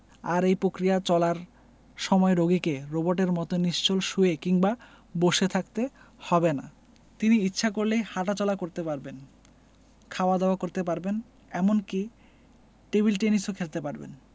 আর এই প্রক্রিয়া চলার সময় রোগীকে রোবটের মতো নিশ্চল শুয়ে কিংবা বসে থাকতে হবে না তিনি ইচ্ছা করলে হাটাচলা করতে পারবেন খাওয়া দাওয়া করতে পারবেন এমনকি টেবিল টেনিসও খেলতে পারবেন